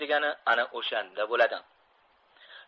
degani ana o'shanda bo'ladi